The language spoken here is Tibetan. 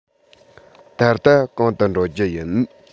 ད ལྟ གང དུ འགྲོ རྒྱུ ཡིན